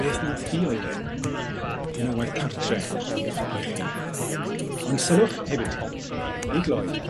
Beth nath hi o'i le. A dyna waith cartre i chi. Ond sylwch hefyd i gloi,